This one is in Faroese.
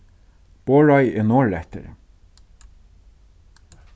borðoy er norðureftir